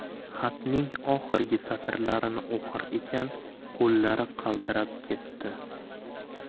xatning oxirgi satrlarini o'qir ekan qo'llari qaltirab ketti